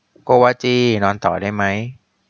โกวาจีนอนต่อได้มั้ย